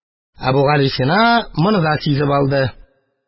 Әбүгалисина да моны сизеп алды.